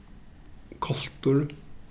koltur